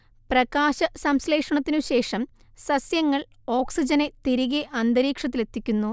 പ്രകാശ സംശ്ലേഷണത്തിനു ശേഷം സസ്യങ്ങൾ ഓക്സിജനെ തിരികെ അന്തരീക്ഷത്തിലെത്തിക്കുന്നു